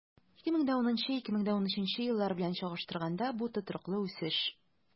2010-2013 еллар белән чагыштырганда, бу тотрыклы үсеш.